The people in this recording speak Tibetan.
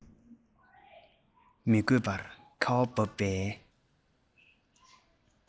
མི དགོས པར ཁ བ འབབ པའི